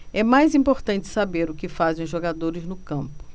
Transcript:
é mais importante saber o que fazem os jogadores no campo